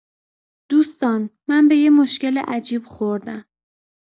دوستان من به یه مشکل عجیب خوردم.